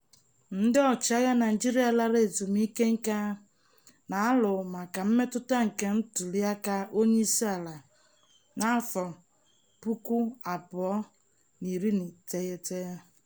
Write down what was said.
Ndị ọchịagha Naịjirịa lara ezumike nka na-alụ maka mmetụta nke ntụliaka onyeisiala 2019